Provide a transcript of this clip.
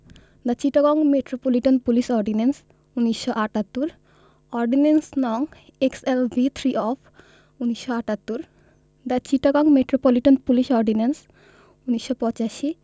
The Chittagong metropolitan police ordinance ১৯৭৮ ordinance. নং X L V three of ১৯৭৮ the Chittagong metropolitan police ordinance ১৯৮৫